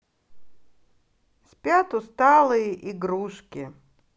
спят усталые игрушки